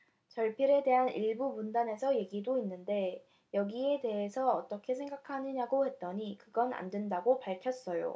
절필에 대한 일부 문단에서 얘기도 있는데 여기에 대해서 어떻게 생각하느냐고 했더니 그건 안 된다라고 밝혔어요